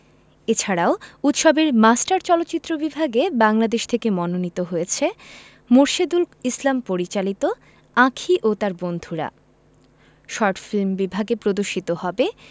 এছাড়াও উৎসবের মাস্টার চলচ্চিত্র বিভাগে বাংলাদেশ থেকে মনোনীত হয়েছে মোরশেদুল ইসলাম পরিচালিত আঁখি ও তার বন্ধুরা শর্ট ফিল্ম বিভাগে প্রদর্শিত হবে